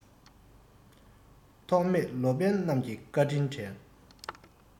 ཐོགས མེད ལོ པཎ རྣམས ཀྱི བཀའ དྲིན དྲན